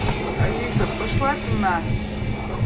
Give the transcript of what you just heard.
алиса пошла ты на